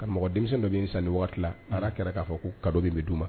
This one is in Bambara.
Karamɔgɔ denmisɛnnin dɔ bɛ sisan nin wagati a kɛra k'a fɔ ko cadeau min bɛ d'u ma